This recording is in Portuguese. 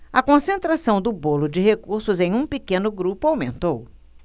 a concentração do bolo de recursos em um pequeno grupo aumentou